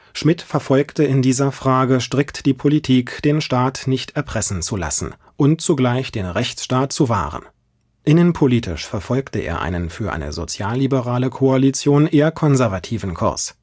Schmidt verfolgte in dieser Frage strikt die Politik, den Staat nicht erpressen zu lassen und zugleich den Rechtsstaat zu wahren. Innenpolitisch verfolgte er einen – für eine sozialliberale Koalition – eher konservativen Kurs